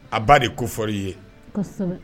A ba de kofɔ i ye